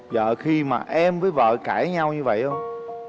vợ khi mà em với vợ cãi nhau như vậy hông